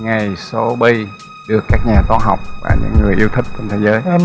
ngày số pi được các nhà toán học và những người yêu thích trên thế giới